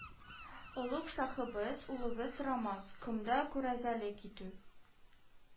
Олуг шаһыбыз, улыгыз рамаз комда күрәзәлек итү